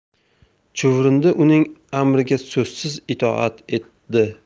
chuvrindi uning amriga so'zsiz itoat etdi